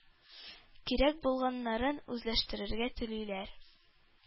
Кирәк булганнарын үзләштерергә телиләр.